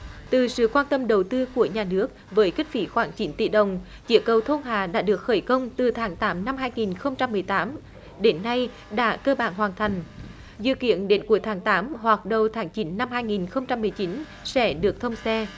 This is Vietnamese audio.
từ sự quan tâm đầu tư của nhà nước với kinh phí khoảng chín tỷ đồng dự cầu thôn hà đã được khởi công từ tháng tám năm hai nghìn không trăm mười tám đến nay đã cơ bản hoàn thành dự kiến đến cuối tháng tám hoặc đầu tháng chín năm hai nghìn không trăm mười chín sẽ được thông xe